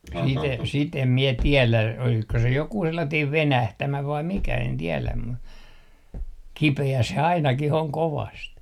sitä en sitä en minä tiedä olisiko se joku sellainen venähtämä vai mikä en tiedä mutta kipeä se ainakin on kovasti